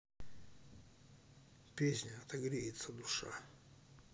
песня отогреется душа